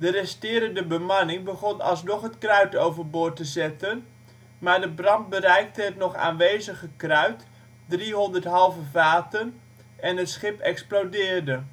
resterende bemanning begon alsnog het kruit overboord te zetten, maar de brand bereikte het nog aanwezige kruit (300 halve vaten) en het schip explodeerde